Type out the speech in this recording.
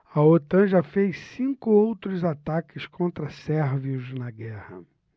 a otan já fez cinco outros ataques contra sérvios na guerra